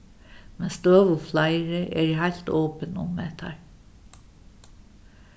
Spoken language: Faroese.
men støðugt fleiri eru heilt opin um hettar